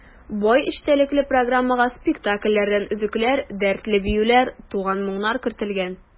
Бай эчтәлекле программага спектакльләрдән өзекләр, дәртле биюләр, туган моңнар кертелгән.